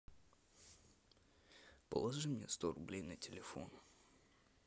положи мне сто рублей на телефон